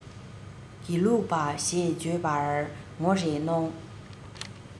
དགེ ལུགས པ ཞེས བརྗོད པར ངོ རེ གནོང